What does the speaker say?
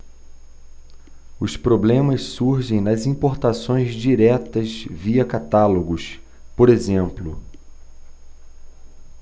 os problemas surgem nas importações diretas via catálogos por exemplo